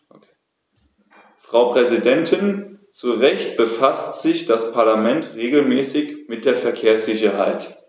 Frau Präsidentin, zu Recht befasst sich das Parlament regelmäßig mit der Verkehrssicherheit.